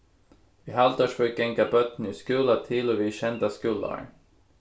í haldórsvík ganga børnini í skúla til og við sjeynda skúlaár